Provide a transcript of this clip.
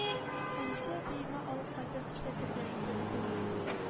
Хәдичә әбиеңә алып кайтып күрсәтергә иде үзеңне